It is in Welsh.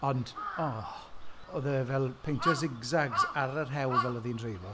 Ond oedd e fel, peintio zig-zags ar yr hewl, fel oedd hi'n dreifo.